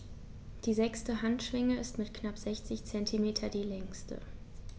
Die sechste Handschwinge ist mit knapp 60 cm die längste.